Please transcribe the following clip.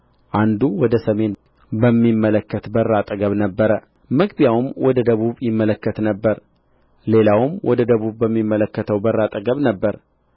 አንዱ ወደ ሰሜን በሚመለከት በር አጠገብ ነበረ መግቢያውም ወደ ደቡብ ይመለከት ነበር ሌላውም ወደ ደቡብ በሚመለከተው በር አጠገብ ነበረ